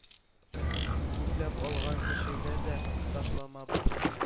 Күпләп алган кешегә дә ташлама бар.